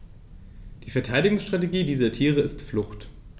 Die Verteidigungsstrategie dieser Tiere ist Flucht.